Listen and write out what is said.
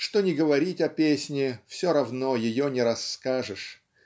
Что ни говорить о песне, все равно ее не расскажешь.